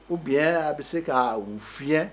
Oubien a bi se ka u fiyɛ.